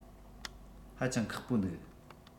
ཧ ཅང ཁག པོ འདུག